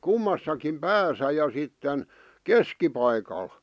kummassakin päässä ja sitten keskipaikalla